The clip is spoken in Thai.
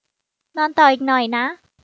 นอนต่ออีกหน่อยนะ